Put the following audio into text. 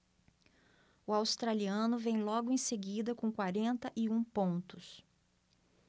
o australiano vem logo em seguida com quarenta e um pontos